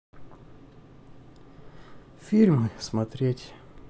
фильмы смотреть